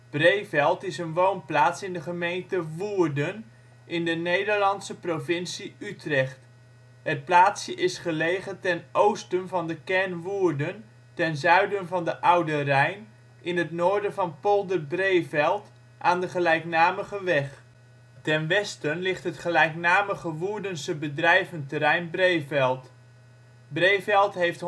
Breeveld is een woonplaats in de gemeente Woerden, in de Nederlandse provincie Utrecht. Het plaatsje is gelegen ten oosten van de kern Woerden, ten zuiden van de Oude Rijn, in het noorden van Polder Breeveld, aan de gelijknamige weg. Ten westen ligt het gelijknamige Woerdense bedrijventerrein Breeveld. Breeveld heeft